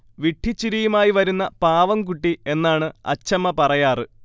വിഡ്ഢിച്ചിരിയുമായി വരുന്ന പാവംകുട്ടി എന്നാണ് അച്ഛമ്മ പറയാറ്